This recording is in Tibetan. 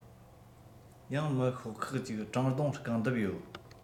ཡང མི ཤོག ཁག ཅིག བྲང རྡུང རྐང རྡབ ཡོད